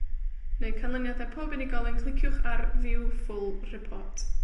neu canlyniadau pob unigolyn, cliciwch ar View Full Report.